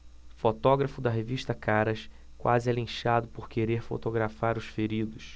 fotógrafo da revista caras quase é linchado por querer fotografar os feridos